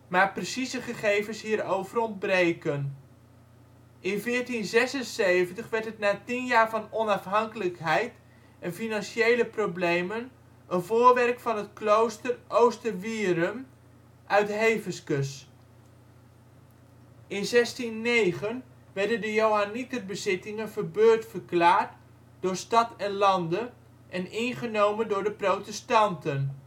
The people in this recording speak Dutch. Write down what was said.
maar precieze gegevens hierover ontbreken. In 1476 werd het na 10 jaar van onafhankelijkheid en financiële problemen een voorwerk van het klooster Oosterwierum uit Heveskes. In 1609 werden de Johannieter bezittingen verbeurd verklaard door Stad en Lande en ingenomen door de protestanten